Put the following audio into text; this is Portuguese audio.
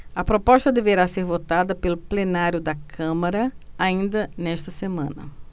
a proposta deverá ser votada pelo plenário da câmara ainda nesta semana